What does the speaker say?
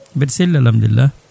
mbiɗa selli